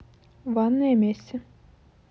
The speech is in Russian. ванная месси